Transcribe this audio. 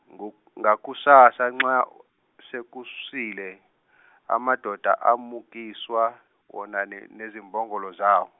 ngo- ngakusasa nxa sekusile amadoda amukiswa wona ne- nezimbongolo zawo.